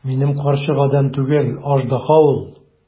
Минем карчык адәм түгел, аждаһа ул!